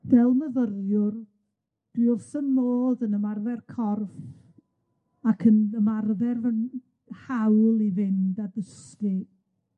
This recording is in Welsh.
Fel myfyriwr, dwi wrth fy modd yn ymarfer corff ac yn ymarfer fy n- hawl i fynd a dysgu,